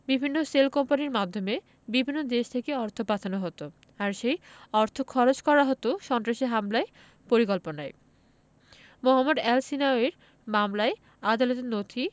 বিভিন্ন শেল কোম্পানির মাধ্যমে বিভিন্ন দেশ থেকে অর্থ পাঠানো হতো আর সেই অর্থ খরচ করা হতো সন্ত্রাসী হামলার পরিকল্পনায় মোহাম্মদ এলসহিনাউয়ির মামলায় আদালতের নথি